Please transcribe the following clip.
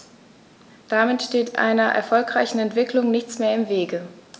Damit steht einer erfolgreichen Entwicklung nichts mehr im Wege.